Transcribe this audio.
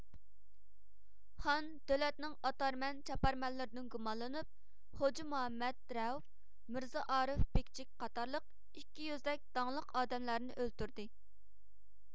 خان دۆلەتنىڭ ئاتارمەن چاپارمەنلىرىدىن گۇمانلىنىپ خوجامۇھەممەت رەئوف مىرزائارىپ بىكچىك قاتارلىق ئىككى يۈزدەك داڭلىق ئادەملەرنى ئۆلتۈردى